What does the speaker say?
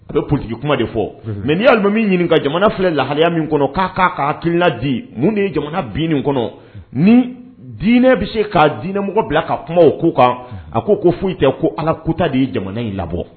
A bɛ politique kuma de fɔ, unhun mais ni ye alimami ɲininka jamana filɛ lahalaya min kɔnɔ k'a k'akilila di, mun de ye jamana bin ni kɔnɔ, ni diinɛ bɛ se ka diinɛ mɔgɔ bila ka kuma o ko kan, a ko ko foyi tɛ ko ala kuta de ye jamana in labɔ.